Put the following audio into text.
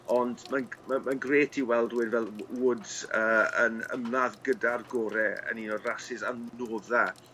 Ond mae'n ma' mae'n grêt i weld rywyn fel Wo- Woods yy yn ymladd gyda'r gore' yn un o rasus anodda